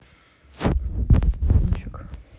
штука для девочек